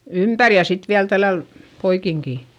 ympäri ja sitten vielä tällä lailla poikinkin